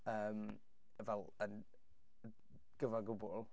Yym fel yn gyfan gwbl.